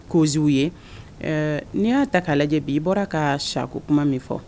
Kosiw ye n'i y'a ta k'a lajɛ bi i bɔra ka sako kuma min fɔ